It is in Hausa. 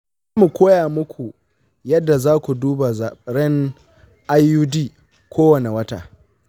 za mu koya muku yadda za ku duba zaren iud kowane wata.